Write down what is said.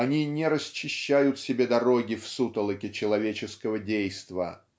Они не расчищают себе дороги в сутолоке человеческого действа